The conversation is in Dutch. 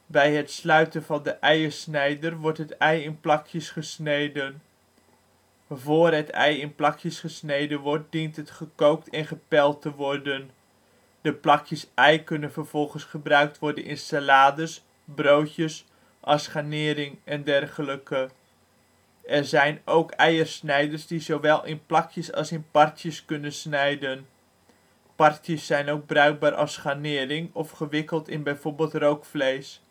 Bij het sluiten van de eiersnijder wordt het ei in plakjes gesneden. Voor het ei in plakjes gesneden wordt, dient het (bij voorkeur hard) gekookt en gepeld te worden. De plakjes ei kunnen vervolgens gebruikt worden in salades, broodjes, als garnering en dergelijke. Er zijn ook eiersnijders die zowel in plakjes als in partjes kunnen snijden. Partjes zijn ook bruikbaar als garnering of gewikkeld in bijvoorbeeld rookvlees